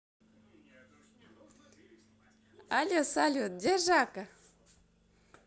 але салют где жако